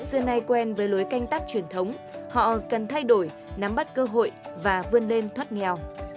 xưa nay quen với lối canh tác truyền thống họ cần thay đổi nắm bắt cơ hội và vươn lên thoát nghèo